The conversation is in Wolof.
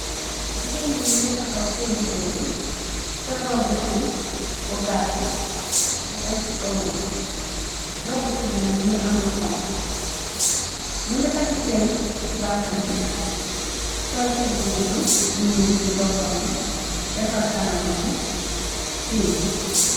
jigéen bi më ngi taxaw tey digam bi sool rob bu til bu gàtt bu m ci omamb rob bu til bi na mu ngi amlu xonk më ngi takk cenn ci baatam bi sool teg bi gudd bu ñuul ci boppambi defar kana mambi siiñ